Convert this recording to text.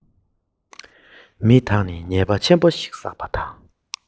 མི དག ནི ཉེས པ ཆེན པོ ཞིག བསགས པ དང